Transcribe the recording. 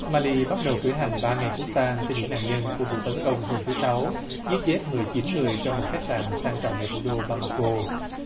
ma li bắt đầu cử hành ba ngày quốc tang cho những nạn nhân của vụ tấn công hôm thứ sáu giết chết mười chín người trong một khách sạn sang trọng ở thủ đô ba ma cô